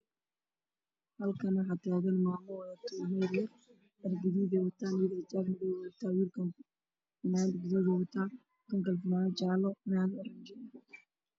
Halkan waxaa taagan maamo wadata wiil yar waxay wataan dharguduud ah mamada waxay wadataa xijaab madow ah